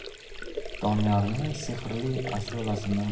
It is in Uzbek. doniyorning sehrli ashulasini